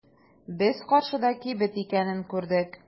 Без каршыда кибет икәнен күрдек.